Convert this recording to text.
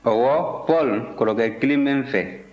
ɔwɔ paul kɔrɔkɛ kelen bɛ n fɛ